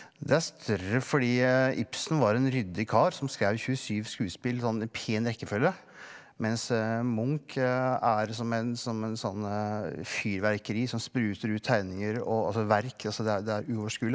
det er større fordi Ibsen var en ryddig kar som skreiv 27 skuespill sånn i pen rekkefølge mens Munch er som en sånn en sånn fyrverkeri som spruter ut tegninger og altså verk altså det er det er uoverskuelig.